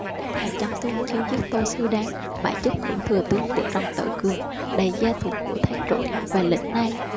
hạ chấn tuyên chiếu giết tô sư đán bãi chức hữu thừa tướng của trần tự cường đày gia thuộc của thác trụ ra lĩnh nam